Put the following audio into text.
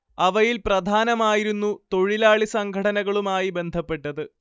അവയിൽ പ്രധാനമായിരുന്നു തൊഴിലാളി സംഘടനകളുമായി ബന്ധപ്പെട്ടത്